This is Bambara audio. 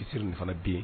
I selen nin fana bɛ yen